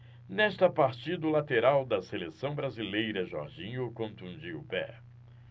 nesta partida o lateral da seleção brasileira jorginho contundiu o pé